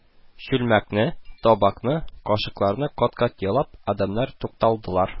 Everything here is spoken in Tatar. Чүлмәкне, табакны, кашыкларны кат-кат ялап, адәмнәр тукталдылар